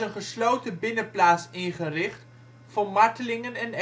gesloten binnenplaats ingericht voor martelingen en